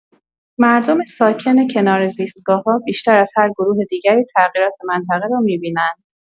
مردم ساکن کنار زیستگاه‌ها، بیش از هر گروه دیگری تغییرات منطقه را می‌بینند.